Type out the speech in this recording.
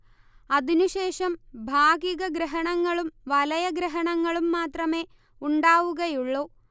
അതിനുശേഷം ഭാഗികഗ്രഹണങ്ങളും വലയഗ്രഹണങ്ങളും മാത്രമേ ഉണ്ടാവുകയുള്ളൂ